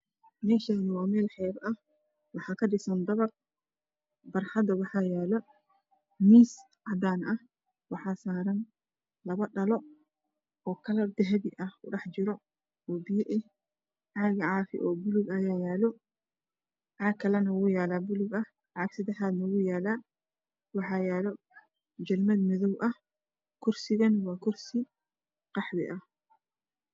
Meeshaani waa meel xeeb ah waxa kadhisan dabaq barxada waxaa yaalo miis cadaan ah waxaa saaran laba dhalo oo kalar dahabi ah kudhax jiro oo biyo eh caag caafi oo bulug ayaa yaalo caag kalana woo yaala bulug ah caag sadexaadna wuu yaala waxa yaalo jalmad madoow ah kursigana waa kursi qaxwi ah